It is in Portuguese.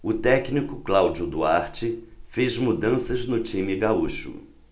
o técnico cláudio duarte fez mudanças no time gaúcho